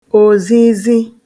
òzizi